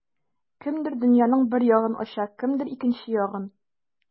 Кемдер дөньяның бер ягын ача, кемдер икенче ягын.